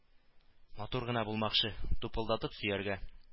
Матур гына булмакчы: тупылдатып сөяргә